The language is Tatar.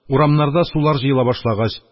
Урамнарда сулар җыела башлагач,